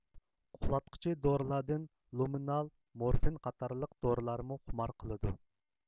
ئۇخلاتقۇچى دورىلاردىن لۇمىنال مورفىن قاتارلىق دورىلارمۇ خۇمار قىلىدۇ